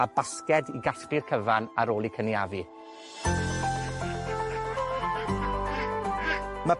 A basged i gasglu'r cyfan ar ôl 'u cynaeafu. Ma'